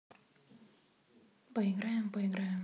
поиграем поиграем